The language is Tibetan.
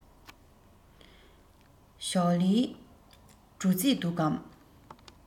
ཞའོ ལིའི འགྲོ རྩིས འདུག གས